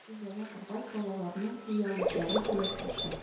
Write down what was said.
Эзләнә торгач, балаларның кулъяулыклары килеп чыкты.